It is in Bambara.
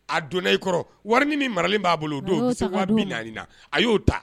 A donna e kɔrɔ wari min maralen b'a bolo o don bɛ se bɛ na na a y'o ta